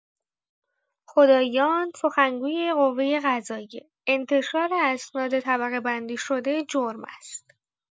خداییان، سخنگوی قوه‌قضائیه: انتشار اسناد طبقه‌بندی شده جرم است.